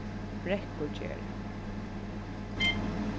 brekkugerði